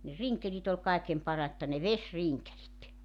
ne rinkelit oli kaiken parasta ne vesirinkelit